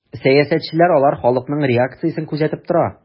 Сәясәтчеләр алар халыкның реакциясен күзәтеп тора.